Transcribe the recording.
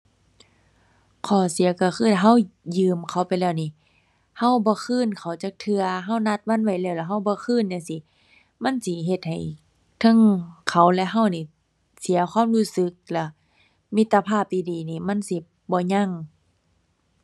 ข้อเสียก็คือถ้าก็ยืมเขาไปแล้วนี่ ก็บ่คืนเขาจักเทื่อ ก็นัดวันไว้แล้ว แล้วก็บ่คืนจั่งซี้ มันสิเฮ็ดให้เทิงเขาและก็นี่เสียความรู้สึก แล้วมิตรภาพดีดีนี่มันสิบ่ยัง